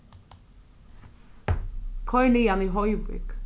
koyr niðan í hoyvík